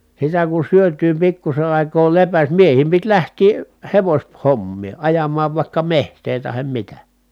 sitä kun syötyä pikkuisen aikaa lepäsi miehien piti lähteä - hevoshommiin ajamaan vaikka metsää tai mitä